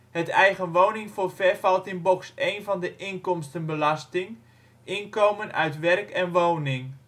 Het eigenwoningforfait valt in Box 1 van de Inkomstenbelasting: " Inkomen uit Werk en Woning